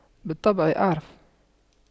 بالطبع أعرف